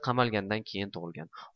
qamalgandan keyin tug'ilgan